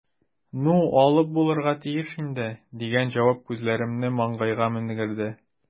"ну, алып булырга тиеш инде", – дигән җавап күзләремне маңгайга менгерде.